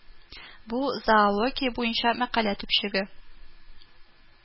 Бу зоология буенча мәкалә төпчеге